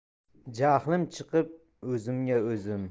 jahlim chiqib o'zimga o'zim